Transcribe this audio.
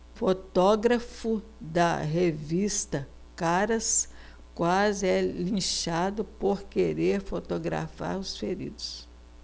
fotógrafo da revista caras quase é linchado por querer fotografar os feridos